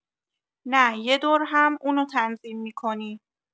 نه یه دور هم اونو تنظیم می‌کنی